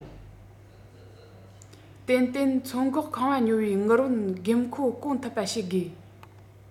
ཏན ཏན ཚོད འགོག ཁང པ ཉོ བའི དངུལ བུན དགོས མཁོ སྐོང ཐུབ པ བྱེད དགོས